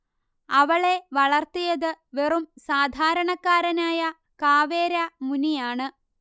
അവളെ വളർത്തിയത് വെറും സാധാരണക്കാരനായ കാവേര മുനിയാണ്